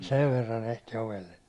sen verran ehti ovelle